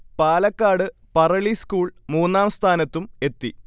Palakkad Parali school മൂന്നാം സ്ഥാനത്തും എത്തി